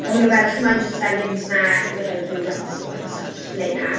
A maen nhw fel "'y chi moyn jyst fel mynd 'na, ma' fel ryw fath s- fath o soft play 'na".